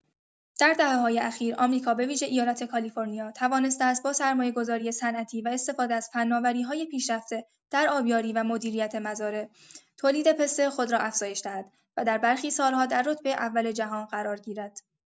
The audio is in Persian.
در دهه‌های اخیر، آمریکا به‌ویژه ایالت کالیفرنیا توانسته است با سرمایه‌گذاری صنعتی و استفاده از فناوری‌های پیشرفته در آبیاری و مدیریت مزارع، تولید پسته خود را افزایش دهد و در برخی سال‌ها در رتبه اول جهان قرار گیرد.